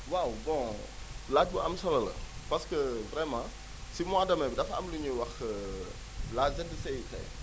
waaw bon laaj bu am solo la parce que vraiment si mois de mai bi dafa am lu ñuy wax la ZCIT